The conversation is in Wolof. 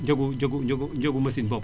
njëgu njëgu njëgu njëgu machine boobu